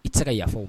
I tɛ ka yafa